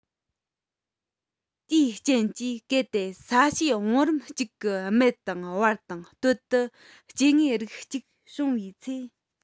དེའི རྐྱེན གྱིས གལ ཏེ ས གཤིས བང རིམ གཅིག གི སྨད དང བར དང སྟོད དུ སྐྱེ དངོས རིགས གཅིག བྱུང བའི ཚེ